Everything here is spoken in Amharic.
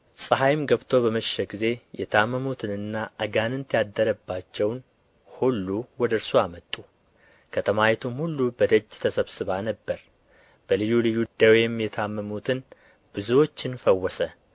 ፀሐይም ገብቶ በመሸ ጊዜ የታመሙትንና አጋንንት ያደረባቸውን ሁሉ ወደ እርሱ አመጡ ከተማይቱም ሁላ በደጅ ተሰብስባ ነበር በልዩ ልዩ ደዌም የታመሙትን ብዙዎችን ፈወሰ